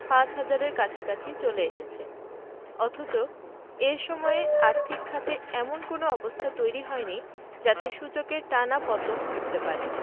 ৫ হাজারের কাছাকাছি চলে এসেছে অথচ এ সময়ে আর্থিক খাতে এমন কোনো অবস্থা তৈরি হয়নি যাতে সূচকের টানা পতন ঘটতে পারে